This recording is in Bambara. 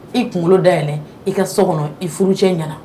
I kunkolo day i ka so kɔnɔ i furu cɛ ɲɛna